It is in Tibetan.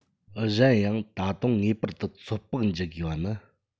གཞན ཡང ད དུང ངེས པར དུ ཚོད དཔག བགྱི དགོས པ ནི